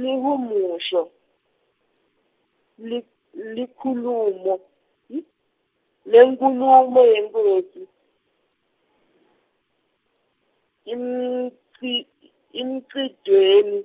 Lihumusho le lekhulumo-, lenkhulumo yenkhosi, emigi- , emigidvweni